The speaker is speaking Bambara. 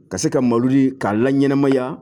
Ka se ka mawludu ka k'a laɲɛnamaya.